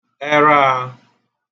eraà